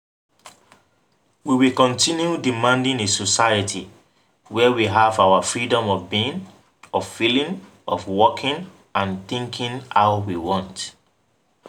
We will continue demanding a society where we have our freedom of being, of feeling, of walking and thinking how we want.